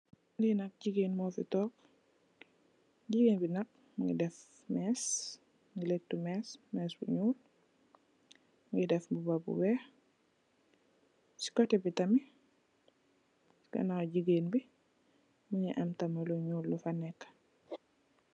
lenak jigeen mofi tog jigeen bi nak mingi deff mes mingu letu mes, mes bu nuul mingi deff bobah bo weex ci koteh tarimt ganaw jigeen mingi am tarmit lo nuul lu fah neka.